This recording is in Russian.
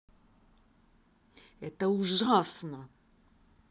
это ужасно